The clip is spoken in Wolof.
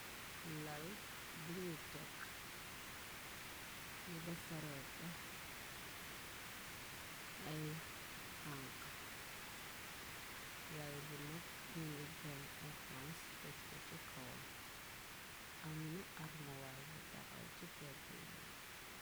Lal buñu tekk ñu defareeko ay ànk. Lal bi nakk ñi ngi jël ay pons tekko ci kowam amna armuwal bu taxaw ci pegg lal bi.